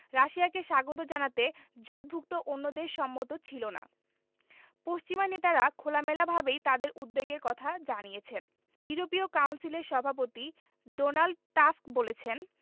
রাশিয়াকে স্বাগত জানাতে জোটভুক্ত অন্য দেশ সম্মত ছিল না পশ্চিমা নেতারা খোলামেলাভাবেই তাঁদের উদ্বেগের কথা জানিয়েছেন ইউরোপীয় কাউন্সিলের সভাপতি ডোনাল্ড টাস্ক বলেছেন